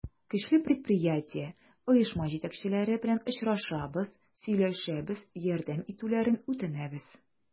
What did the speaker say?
Көчле предприятие, оешма җитәкчеләре белән очрашабыз, сөйләшәбез, ярдәм итүләрен үтенәбез.